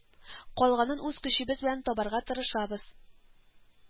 Калганын үз көчебез белән табарга тырышабыз